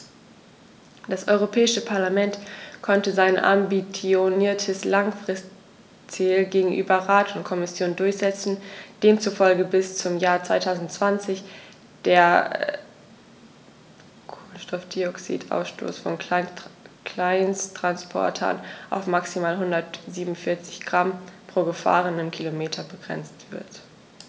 Das Europäische Parlament konnte sein ambitioniertes Langfristziel gegenüber Rat und Kommission durchsetzen, demzufolge bis zum Jahr 2020 der CO2-Ausstoß von Kleinsttransportern auf maximal 147 Gramm pro gefahrenem Kilometer begrenzt wird.